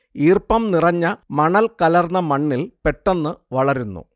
ഈർപ്പം നിറഞ്ഞ മണൽ കലർന്ന മണ്ണിൽ പെട്ടെന്ന് വളരുന്നു